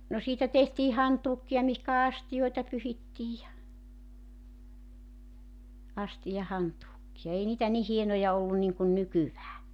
no siitä tehtiin hantuukeja mihinkä astioita pyyhittiin ja astiahantuukeja ei niitä niin hienoja ollut niin kuin nykyään